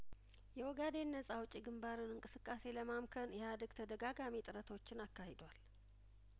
የኦጋዴን ነጻ አውጪ ግንባርን እንቅስቃሴ ለማምከን ኢህአዴግ ተደጋጋሚ ጥረቶችን አካሂዷል